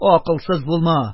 Акылсыз булма: